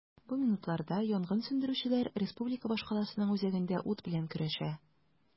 Бу минутларда янгын сүндерүчеләр республика башкаласының үзәгендә ут белән көрәшә.